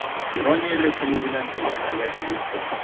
Иронияле көлү белән әйтелергә тиеш бу.